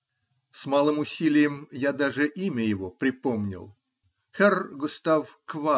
С малым усилием я даже имя его припомнил: херр Густав Квада.